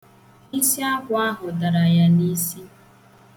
Isiakwụ ahụ dara ya n' isi.